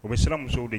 O bɛ siran musow de